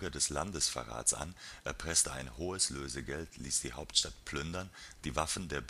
des Landesverrats an, erpresste ein hohes Lösegeld, ließ die Hauptstadt plündern, die Waffen der